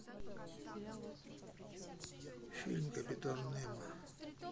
фильм капитан немо